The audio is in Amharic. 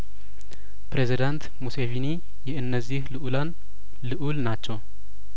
ፕሬዚዳንት ሙሴቪኒ የእነዚህ ልኡላን ልኡል ናቸው